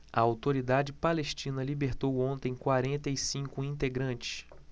a autoridade palestina libertou ontem quarenta e cinco integrantes